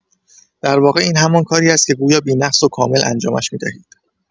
درواقع این همان کاری است که گویا بی‌نقص و کامل انجامش می‌دهید.